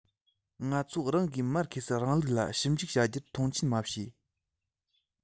ང ཚོ རང གིས མར ཁེ སིའི རིང ལུགས ལ ཞིབ འཇུག བྱ རྒྱུར མཐོང ཆེན མ བྱས